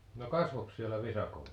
no kasvoikos siellä visakoivua